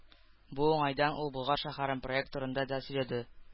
Бу уңайдан ул Болгар шәһәрен проект турында да сөйләде.